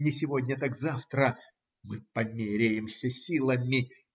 Не сегодня, так завтра мы померяемся силами.